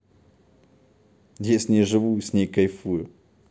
я с ней живу с ней кайфую